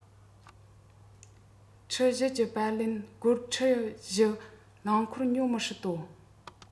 ཁྲི ༤ ཀྱི པར ལེན སྒོར ཁྲི ༤ རླངས འཁོར ཉོ མི སྲིད དོ